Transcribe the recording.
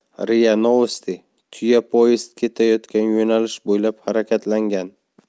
ria novosti tuya poyezd ketayotgan yo'nalish bo'ylab harakatlangan